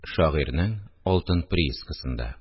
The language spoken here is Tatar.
Шагыйрьнең алтын приискасында